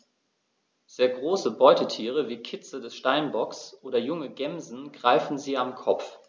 Sehr große Beutetiere wie Kitze des Steinbocks oder junge Gämsen greifen sie am Kopf.